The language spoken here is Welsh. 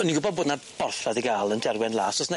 O'n i'n gwbod bod 'na borthladd i ga'l yn Derwen Las os 'na